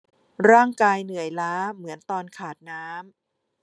ร่างกายเหนื่อยล้าเหมือนตอนขาดน้ำ